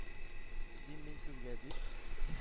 Дим мин сезгә?..- дип,